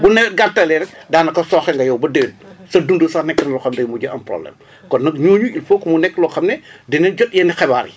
bu nawet gàttalee rek daanaka sooxe nga yow ba déwén sa dund sax nekkul loo xam ne day mujj a am problème kon nag yooyu il foog mu nekk loo xam ne dinañ jot yenn xabaar yi